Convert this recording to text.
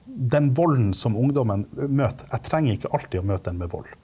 den volden som ungdommen møter, jeg trenger ikke alltid å møte den med vold.